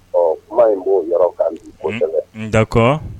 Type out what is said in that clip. Ɔ kuma in be o yɔrɔ kan bi un kosɛbɛ un d'accord